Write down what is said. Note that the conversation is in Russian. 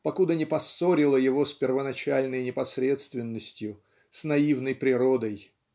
покуда не поссорило его с первоначальной непосредственностью с наивной природой.